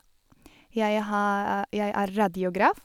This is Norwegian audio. jeg ha Jeg er radiograf.